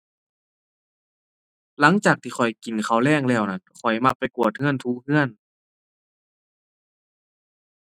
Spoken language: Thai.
หลังจากที่ข้อยกินข้าวแลงแล้วนั้น ข้อยมักไปกวาดเรือนถูเรือน